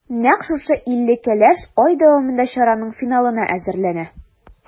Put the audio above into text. Нәкъ шушы илле кәләш ай дәвамында чараның финалына әзерләнә.